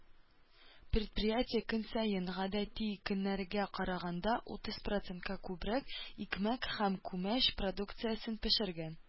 Предприятие көн саен, гадәти көннәргә караганда, утыз процентка күбрәк икмәк һәм күмәч продукциясен пешергән.